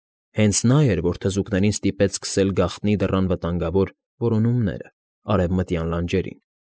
Հենց նա էր, որ թզուկներին ստիպեց սկսել գաղտնի դռան վտանգավոր որոնումներն արևմտյան լանջերին։